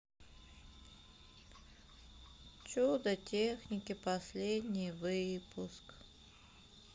чудо техники последний выпуск